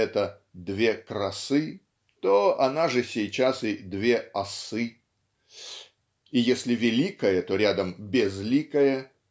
это "две красы", то она же сейчас и "две осы", и если "великое", то рядом "безликое"